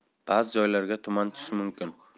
ba'zi joylarga tuman tushishi mumkin